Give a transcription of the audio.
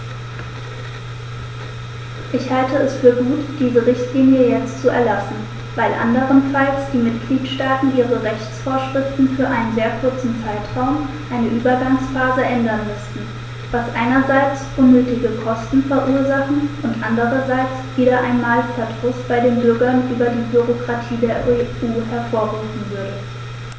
Ich halte es für gut, diese Richtlinie jetzt zu erlassen, weil anderenfalls die Mitgliedstaaten ihre Rechtsvorschriften für einen sehr kurzen Zeitraum, eine Übergangsphase, ändern müssten, was einerseits unnötige Kosten verursachen und andererseits wieder einmal Verdruss bei den Bürgern über die Bürokratie der EU hervorrufen würde.